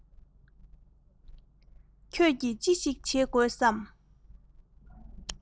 ཁྱོད ཀྱིས ཅི ཞིག བྱེད དགོས སམ